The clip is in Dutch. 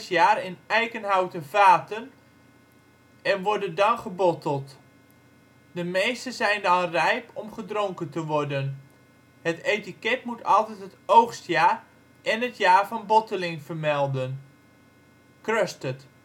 jaar in eikenhouten vaten en worden dan gebotteld. De meeste zijn dan rijp om gedronken te worden. Het etiket moet altijd het oogstjaar en het jaar van botteling vermelden. Crusted